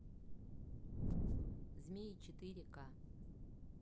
змеи четыре ка